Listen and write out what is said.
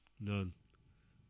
noon